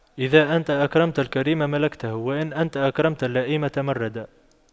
إذا أنت أكرمت الكريم ملكته وإن أنت أكرمت اللئيم تمردا